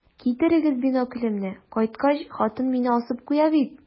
Китерегез биноклемне, кайткач, хатын мине асып куя бит.